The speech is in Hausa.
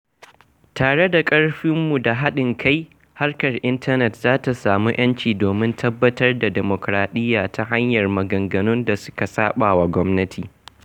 Tare da ƙarfinmu da haɗin kai, harkar intanet za ta samu 'yanci domin tabbatar da dimukuraɗiyya ta hanyar maganganun da suka saɓawa gwamnati.